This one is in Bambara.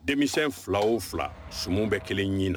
Denmisɛn fila o fila su bɛɛ kelen ɲin na